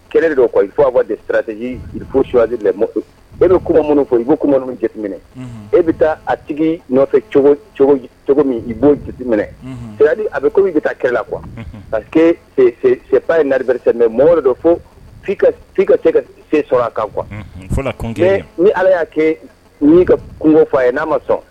Kɛlɛ de don kɔli fɔ fɔ de sirateji suwali la bɛɛ bɛ kumaman minnu fɔ i'kman jateminɛ e bɛ taa a tigi nɔfɛ cogo min i b'o jateminɛdi a bɛ ko bɛ ka kɛlɛ la qu ka se ye naresɛ mɔgɔ wɛrɛ dɔ dɔ fo ka se ka sen sɔrɔ a kan qu ni ala y'a kɛ ni ka kungogo fɔ a ye n'a ma sɔn